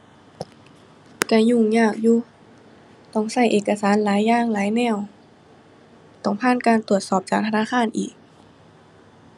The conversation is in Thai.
ก็ยุ่งยากอยู่ ต้องก็เอกสารหลายอย่างหลายแนว ต้องผ่านการตรวจสอบจากธนาคารอีก